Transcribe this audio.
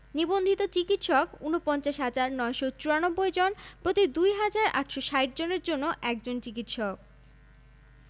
নিবন্ধিত চিকিৎসক ৪৯হাজার ৯৯৪ জন প্রতি ২হাজার ৮৬০ জনের জন্য একজন চিকিৎসক